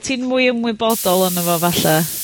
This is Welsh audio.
...ti'n mwy ymwybodol o'no fo falle.